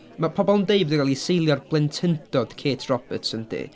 Mae pobl yn deud bod o 'di cael ei seilio ar blentyndod Kate Roberts yndi?